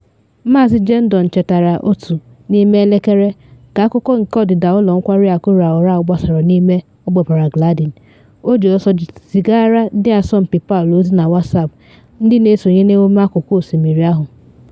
Maazị Gendon chetara otu, n’ime elekere ka akụkọ nke ọdịda Ụlọ Nkwari Akụ Roa Roa gbasara n’ime ogbe paraglaịdịn, o ji ọsọ zigara ndị asọmpi Palu ozi na WhatsApp, ndị na esonye n’emume akụkụ osimiri ahụ.